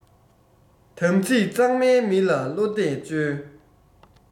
དམ ཚིག གཙང མའི མི ལ བློ གཏད བཅོལ